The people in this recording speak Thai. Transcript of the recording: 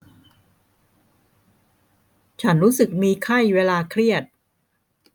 ฉันรู้สึกมีไข้เวลาเครียด